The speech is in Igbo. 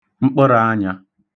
mkpə̣rāanyā